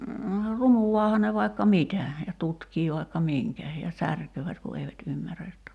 runuaahan ne vaikka mitä ja tutkii vaikka minkä ja särkevät kun eivät ymmärrä jotta